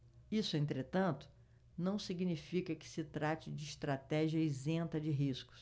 isso entretanto não significa que se trate de estratégia isenta de riscos